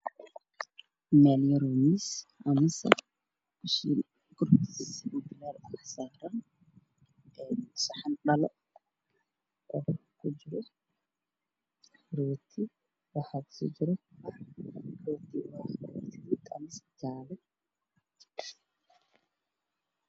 Lix albaab io lix kursi io lix miis I lix dhalo io miisaska saaran io dhikumentiyadiisa io